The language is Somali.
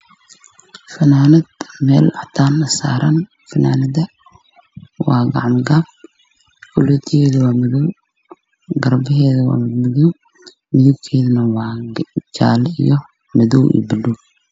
Waa fanaanad meel cadaan ah saaran waa gacmo gaab, kuleetigeeda waa madow, garbaheeda waa madow, midabkeedu waa jaale iyo buluug iyo madow.